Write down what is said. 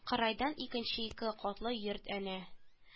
Кырыйдан икенче ике катлы йорт әнә